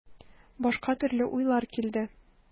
Башка төрле уйлар килде.